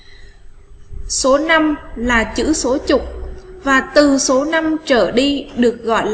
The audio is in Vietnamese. số là chữ số chục và từ số trở đi được gọi